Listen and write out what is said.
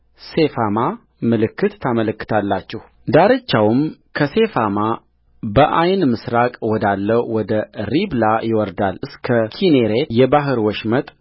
ሴፋማ ምልክት ታመለክታላችሁዳርቻውም ከሴፋማ በዓይን ምሥራቅ ወዳለው ወደ ሪብላ ይወርዳል እስከ ኪኔሬት የባሕር ወሽመጥ